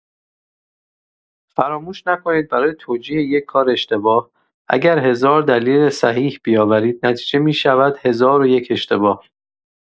فراموش نکنید برای توجیه یک کار اشتباه اگر هزار دلیل صحیح بیاورید نتیجه می‌شود هزار و یک اشتباه.